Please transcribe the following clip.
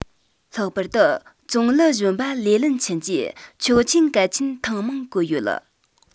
ལྷག པར དུ ཙུང ལི གཞོན པ ལེ ལན ཆིན གྱིས ཆོག མཆན གལ ཆེན ཐེངས མང བཀོད ཡོད